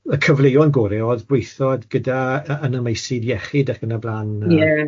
Y cyfleon gore o'dd gweitho gyda yy yn y meysydd iechyd ac yn y blan... Ie...